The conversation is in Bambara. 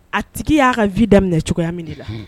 A tigi y'a ka vie daminɛ cogoya min de la unhun